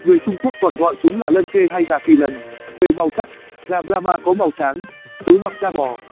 người trung quốc còn gọi chúng là lân kê hay gà kỳ lân về màu sắc gà brahma có màu sáng tối hoặc da bò